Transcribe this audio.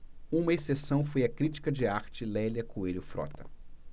uma exceção foi a crítica de arte lélia coelho frota